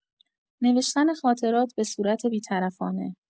نوشتن خاطرات به‌صورت بی‌طرفانه